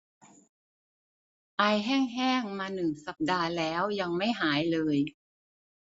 ไอแห้งแห้งมาหนึ่งสัปดาห์แล้วยังไม่หายเลย